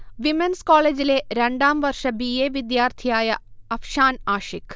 Women's കോളേജിലെ രണ്ടാം വർഷ ബി. എ. വിദ്യാർഥിയായ അഫ്ഷാൻ ആഷിഖ്